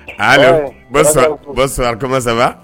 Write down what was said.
Aa sɔrɔ a ka saba